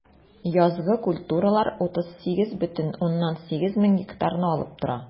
Язгы культуралар 38,8 мең гектарны алып тора.